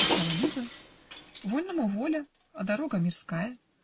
-- отвечала Лиза, -- вольному воля, а дорога мирская".